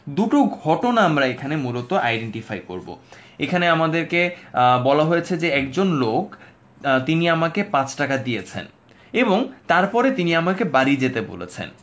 দুটো ঘটনা আমরা এখানে মূলত আইডেন্টিফাই কর এখানে আমাদেরকে বলা হয়েছে যে একজন লোক তিনি আমাকে ৫ টাকা দিয়েছেন এবং তার পরে তিনি আমাকে বাড়ি যেতে বলেছেন